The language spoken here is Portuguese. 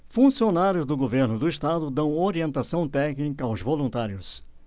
funcionários do governo do estado dão orientação técnica aos voluntários